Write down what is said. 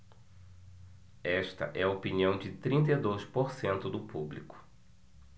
esta é a opinião de trinta e dois por cento do público